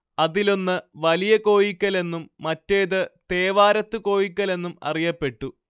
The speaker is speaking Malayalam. അതിലൊന്ന് വലിയ കോയിക്കലെന്നും മറ്റേത് തേവാരത്ത് കോയിക്കലെന്നും അറിയപ്പെട്ടു